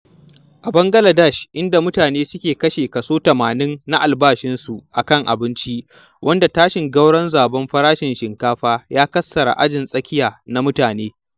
A Bangaladesh, inda mutane suke kashe kaso 80% na albashinsu a kan abinci, wanda tashin gwauron zabon farashin shinkafa ya kassara ajin tsakiya na mutane.